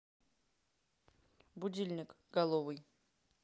будильник головый